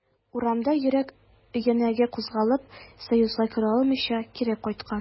Урамда йөрәк өянәге кузгалып, союзга керә алмыйча, кире кайткан.